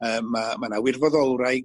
yy ma' ma' 'na wirfoddolwraig...